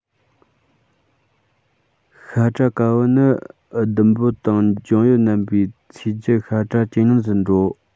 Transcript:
ཤ བཀྲ དཀར པོ ནི ཟླུམ པོ དང འབྱོང དབྱིབས རྣམ པའི ཚོས རྒྱུ ཤ བཀྲ ཇེ ཉུང དུ འགྲོ